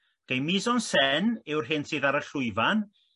ok mise-en-scène yw'r hyn sydd ar y llwyfan